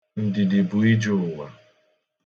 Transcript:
Ndidi bụ ije ụwa.